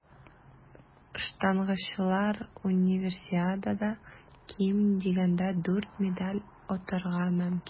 Штангачылар Универсиадада ким дигәндә дүрт медаль отарга мөмкин.